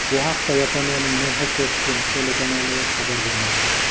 bu haqda yaponiyaning nhk telekanali xabar bermoqda